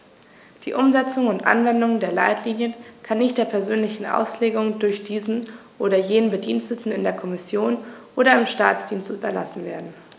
Die Umsetzung und Anwendung der Leitlinien kann nicht der persönlichen Auslegung durch diesen oder jenen Bediensteten in der Kommission oder im Staatsdienst überlassen werden.